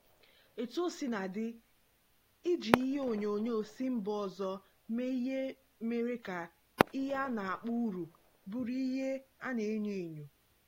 Etuosinadị, iji ihe onyonyo si mba ọzọ mee ihe mere ka ihe a na-akpọ "uru" bụrụ ihe a na-enyo enyo.